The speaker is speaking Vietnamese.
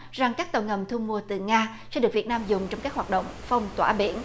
rằng các tàu ngầm thu mua từ nga chưa được việt nam dùng trong các hoạt động phong tỏa biển